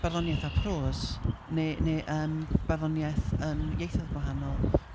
barddoniaeth a prose neu, neu yym barddoniaeth... yn ieithoedd gwahanol.